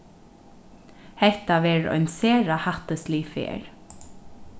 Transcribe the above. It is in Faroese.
hetta verður ein sera hættislig ferð